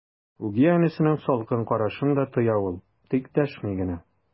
Үги әнисенең салкын карашын да тоя ул, тик дәшми генә.